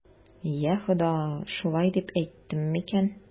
Йа Хода, шулай дип әйттем микән?